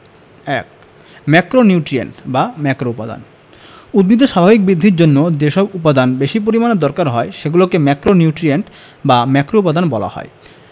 ১ macronutrient বা ম্যাক্রোউপাদান উদ্ভিদের স্বাভাবিক বৃদ্ধির জন্য যেসব উপাদান বেশি পরিমাণে দরকার হয় সেগুলোকে ম্যাক্রোনিউট্রিয়েন্ট বা ম্যাক্রোউপাদান বলা হয়